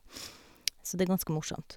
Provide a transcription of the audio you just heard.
Så det er ganske morsomt.